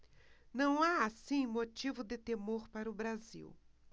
não há assim motivo de temor para o brasil